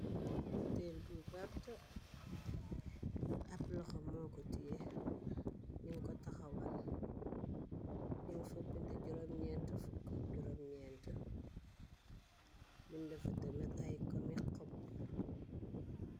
buteel bu vert ab laxa mooko tie nyug ko taxawal nyûg fa bind jurom nyëti fokku ak nyenti nyug fa bindi tëmet ay komi xop